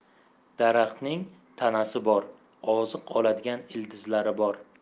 daraxtning tanasi bor oziq oladigan ildizlari bor